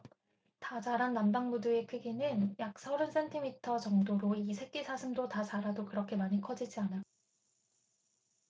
다 자란 남방부두의 크기는 약 서른 센티미터 정도로 이 새끼사슴도 다 자라도 그렇게 많이 커지지 않을 것이다